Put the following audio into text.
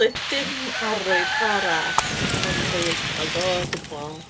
Doedd dim arwydd arall yn ddwyieithog o gwbl.